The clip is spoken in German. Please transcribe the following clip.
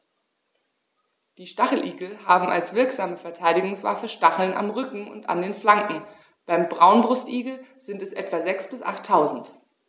Die Stacheligel haben als wirksame Verteidigungswaffe Stacheln am Rücken und an den Flanken (beim Braunbrustigel sind es etwa sechs- bis achttausend).